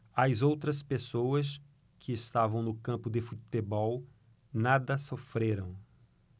as outras pessoas que estavam no campo de futebol nada sofreram